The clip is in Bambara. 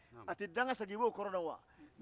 a tɛ dan ka segin i b'o kɔrɔ dɔn wa